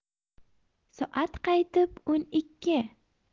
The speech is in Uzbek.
soat qariyb o'n ikki